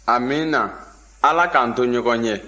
amiina ala k'an to ɲɔgɔn ye